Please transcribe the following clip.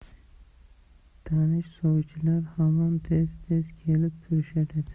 tanish sovchilar hamon tez tez kelib turishar edi